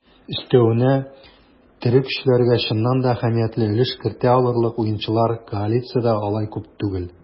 Өстәвенә, тере көчләргә чыннан да әһәмиятле өлеш кертә алырлык уенчылар коалициядә алай күп түгел.